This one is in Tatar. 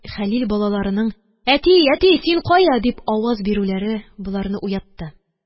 Хәлил балаларының: «Әти, әти! Син кая?» – дип аваз бирүләре боларны уятты